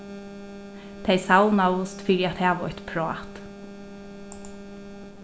tey savnaðust fyri at hava eitt prát